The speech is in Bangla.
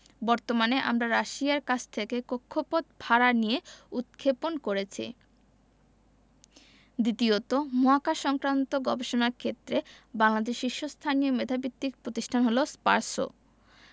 বর্তমানে আমরা রাশিয়ার কাছ থেকে কক্ষপথ ভাড়া নিয়ে উৎক্ষেপণ করেছি দ্বিতীয়ত মহাকাশসংক্রান্ত গবেষণার ক্ষেত্রে বাংলাদেশের শীর্ষস্থানীয় মেধাভিত্তিক প্রতিষ্ঠান হলো স্পারসো